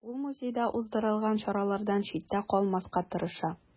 Ул музейда уздырылган чаралардан читтә калмаска тырыша.